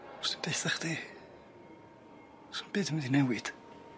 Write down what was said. Os dwi'n deutha chdi sim byd yn myn' i newid.